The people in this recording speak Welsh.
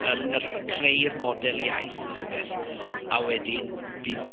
Yr yr creu'r model iaith fath o beth, a wedyn, bydd....